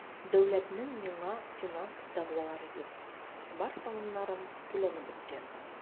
Дәүләтнең миңа финанс дәгъвалары юк, бар салымнарым түләнеп беткән.